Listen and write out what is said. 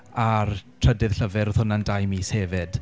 A'r trydydd llyfr, oedd hwnna'n dau mis hefyd.